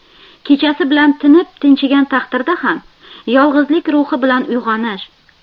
kechasi bilan tinib tinchigan taqdirda ham yolg'izlik ruhi bilan uyg'onish